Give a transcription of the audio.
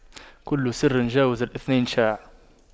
كل سر جاوز الاثنين شاع